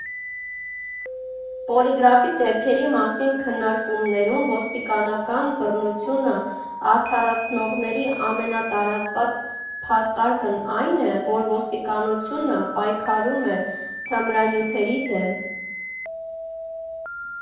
Պոլիգրաֆի դեպքերի մասին քննարկումներում ոստիկանական բռնությունը արդարացնողների ամենատարածված փաստարկն այն է, որ ոստիկանությունը պայքարում է թմրանյութերի դեմ։